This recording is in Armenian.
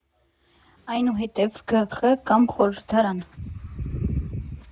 Այսուհետ՝ ԳԽ կամ խորհրդարան։